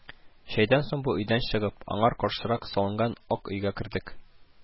Чәйдән соң бу өйдән чыгып, аңар каршырак салынган ак өйгә кердек